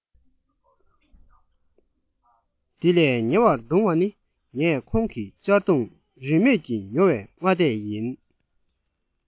འདི ལས ཉེ བར བསྟུངས བ ནི ངས ཁོང གི གཅར རྡུང རིན མེད ཀྱིས ཉོ བའི སྔ ལྟས ཡིན